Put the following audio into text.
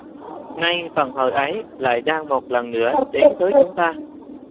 nay vận hội ấy lại đang một lần nữa đến với chúng ta